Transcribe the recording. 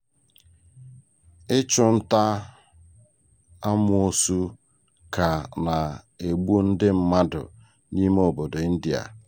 Ịchụ nta-amoosu ka na-egbu ndị mmadụ n'ime obodo India